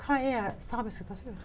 hva er samisk litteratur?